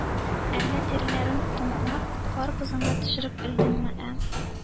Әллә, тиреләрен тунап, кар базыңа төшереп элдеңме?